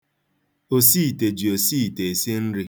Osiite ji osiite esi nri.